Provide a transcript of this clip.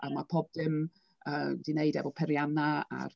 Amae pob dim yy 'di wneud efo peiriannau ar...